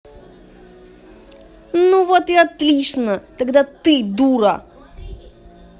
ну вот и отлично тогда ты дура